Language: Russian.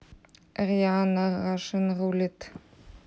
рианна рашн рулит